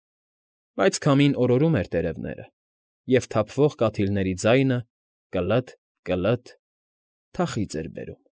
Բայց քամին օրորում էր տերևները, և թափվող կաթիլների ձայնը՝ «կը՛լթ֊կը՛լթ», թախիծ էր բերում։